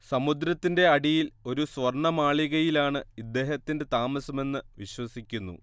സമുദ്രത്തിന്റെ അടിയിൽ ഒരു സ്വർണ്ണമാളികയിലാണ് ഇദ്ദേഹത്തിന്റെ താമസമെന്ന് വിശ്വസിക്കുന്നു